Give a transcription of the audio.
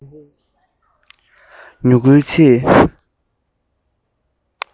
མྱུ གུའི ཆེད